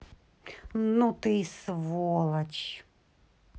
ну ты и сволочь